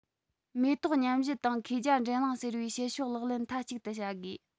མེ ཏོག མཉམ བཞད དང མཁས བརྒྱ འགྲན གླེང ཟེར བའི བྱེད ཕྱོགས ལག ལེན མཐའ གཅིག ཏུ བྱ དགོས